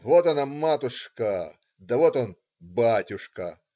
вот она матушка, да вот он батюшка".